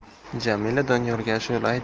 jamila doniyorga ashula